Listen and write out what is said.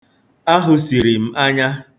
Ahụsiri m anya!